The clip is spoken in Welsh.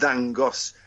ddangos